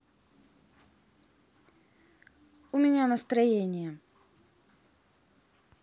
у меня настроение